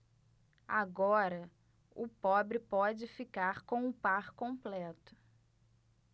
agora o pobre pode ficar com o par completo